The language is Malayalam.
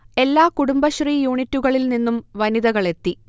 എല്ലാ കുടുംബശ്രീ യൂണിറ്റുകളിൽ നിന്നും വനിതകൾ എത്തി